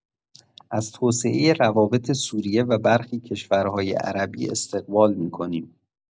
از توسعه روابط سوریه و برخی کشورهای عربی استقبال می‌کنیم.